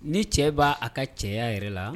Ni cɛ b'a a ka cɛya yɛrɛ la